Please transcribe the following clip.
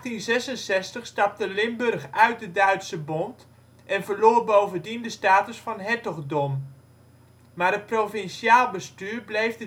In 1866 stapte Limburg uit de Duitse Bond en verloor bovendien de status van hertogdom, maar het provinciaal bestuur bleef